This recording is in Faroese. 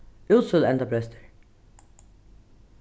útsøluendabrestur